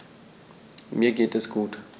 Mir geht es gut.